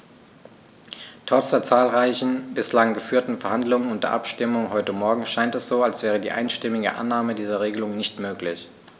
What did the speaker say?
Trotz der zahlreichen bislang geführten Verhandlungen und der Abstimmung heute Morgen scheint es so, als wäre die einstimmige Annahme dieser Regelung nicht möglich.